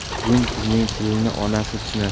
gung qizning tilini onasi tushunar